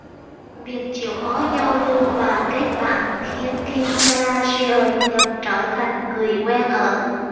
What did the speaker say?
việc chịu khó giao lưu và kết bạn khiến kim kardashian dần trở thành người quen ở